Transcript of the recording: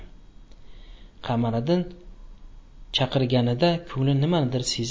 qamariddin chaqirganida ko'ngli nimanidir sezib